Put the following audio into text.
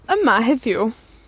Yma heddiw,